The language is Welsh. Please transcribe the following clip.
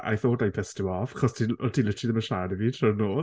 I thought I pissed you off, chos ti... o' ti literally ddim yn siarad 'da fi drwy'r nos.